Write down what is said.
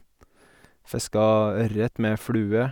Fiska ørret med flue.